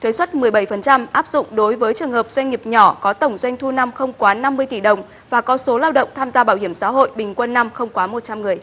thuế suất mười bảy phần trăm áp dụng đối với trường hợp doanh nghiệp nhỏ có tổng doanh thu năm không quá năm mươi tỷ đồng và có số lao động tham gia bảo hiểm xã hội bình quân năm không quá một trăm người